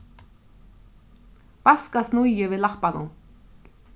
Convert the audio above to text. vaska snýðið við lappanum